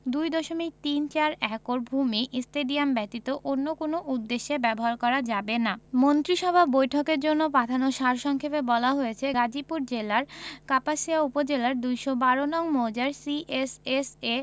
২ দশমিক তিন চার একর ভূমি স্টেডিয়াম ব্যতীত অন্য কোনো উদ্দেশ্যে ব্যবহার করা যাবে না মন্ত্রিসভা বৈঠকের জন্য পাঠানো সার সংক্ষেপে বলা হয়েছে গাজীপুর জেলার কাপাসিয়া উপজেলার ২১২ নং মৌজার সি এস এস এ